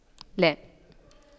لا